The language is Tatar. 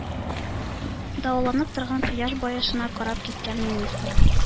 Давылланып торган кояш баешына карап киткән министр